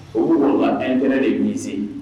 U b'u k'u ka intérêt de viser